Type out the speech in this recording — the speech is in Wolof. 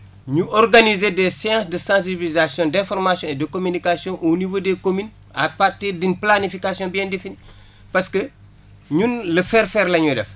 ñu organiser des sciences de sensibilisation d' information et de communication au niveau des communes à partir d' planification bien définie parce que ñun le faire faire la ñuy def